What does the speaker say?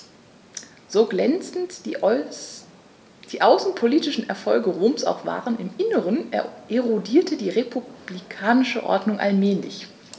So glänzend die außenpolitischen Erfolge Roms auch waren: Im Inneren erodierte die republikanische Ordnung allmählich.